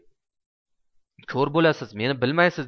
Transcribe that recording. ko'r bo'lasiz meni bilmasayiz